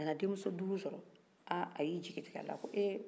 a nana den muso duru sɔrɔ ah a y'i jitigɛ a ko hee